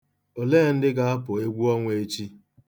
Olee ndị ga-apụ egwu ọnwa echi?